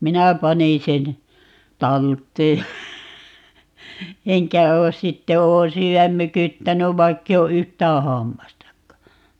minä panin sen talteen ja enkä ole sitten olen syödä mykyttänyt vaikka ei ole yhtään hammastakaan